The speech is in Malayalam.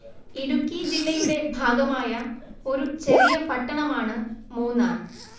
ഇടുക്കി ജില്ലയുടെ ഭാഗമായ ഒരു ചെറിയ പട്ടണമാണ് മൂന്നാർ